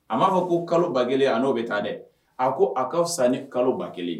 A b'a fɔ ko kalo ba kelen a n'o bɛ taa dɛ a ko a kaaw san ni kalo ba kelen